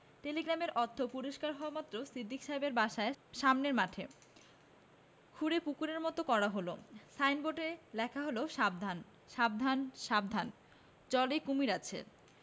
টেলিগ্রামের অর্থ পরিষ্কার হওয়ামাত্র সিদ্দিক সাহেবের বাসার সামনের মাঠ খুঁড়ে পুকুরের মৃত করা হল সাইনবোর্ডে লেখা হল সাবধান সাবধান সাবধান জলে কুমীর আছে